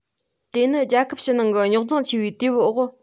དེ ནི རྒྱལ ཁབ ཕྱི ནང གི རྙོག འཛིང ཆེ བའི དུས བབ འོག